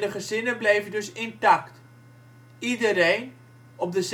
gezinnen bleven dus intact. Iedereen, op de